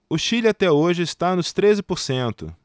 o chile até hoje está nos treze por cento